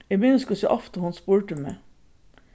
eg minnist hvussu ofta hon spurdi meg